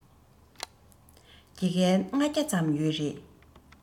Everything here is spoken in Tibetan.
དགེ རྒན ༥༠༠ ཙམ ཡོད རེད